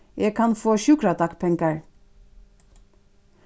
eg kann fáa sjúkradagpengar